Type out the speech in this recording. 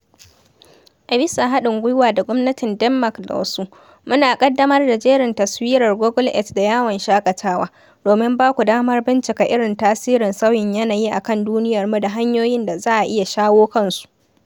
A bisa haɗin gwiwa da gwamnatin Denmark da wasu, muna ƙaddamar da jerin taswirar Google Earth da yawon shaƙatawa, domin ba ku damar bincika irin tasirin sauyin yanayi akan duniyarmu da hanyoyin da za a iya shawo kan shi.